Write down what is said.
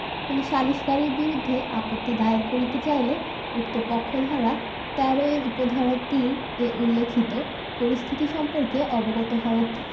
কোন সালিসকারীর বিরুদ্ধে আপত্তি দায়ের করিতে চাহিলে উক্ত পক্ষ ধারা ১৩ এর উপ ধারা ৩ এ উল্লেখিত পরিস্থিতি সম্পর্কে অবগত হওয়ার